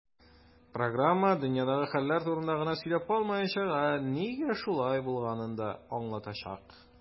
Программа "дөньядагы хәлләр турында гына сөйләп калмаячак, ә нигә шулай булганын да аңлатачак".